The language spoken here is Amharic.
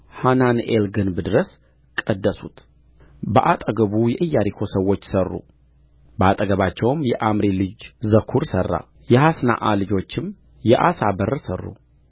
ሐናንኤል ግንብ ድረስ ቀደሱት በአጠገቡ የኢያሪኮ ሰዎች ሠሩ በአጠገባቸውም የአምሪ ልጅ ዘኩር ሠራ የሃስናአ ልጆችም የዓሣ በር ሠሩ